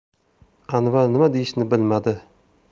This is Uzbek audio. anvar nima deyishni bilmadi